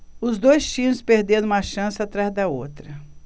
os dois times perderam uma chance atrás da outra